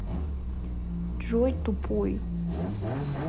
джой тупой